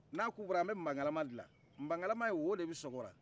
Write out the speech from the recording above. n'a ku bɔra an bɛ magalama dila magala wo de bɛ sɔk''ola